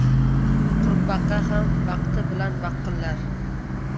qurbaqa ham vaqti bilan vaqillar